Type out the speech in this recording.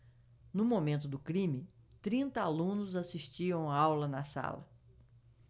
no momento do crime trinta alunos assistiam aula na sala